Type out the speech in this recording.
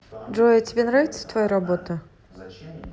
джой а тебе нравится твоя работа